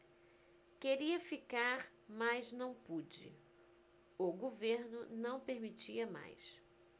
queria ficar mas não pude o governo não permitia mais